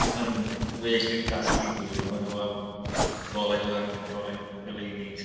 Maen nhw'n well yn casglu dŵr maen nhw am golau lan yn golau, goleuni.